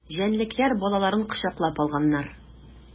Җәнлекләр балаларын кочаклап алганнар.